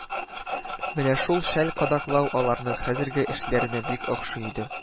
Менә шул шәл кадаклау аларның хәзерге эшләренә бик охшый иде